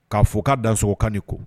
K'a fɔ ka danso kan ko